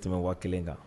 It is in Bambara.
O tɛmɛmɛ wa kelen kan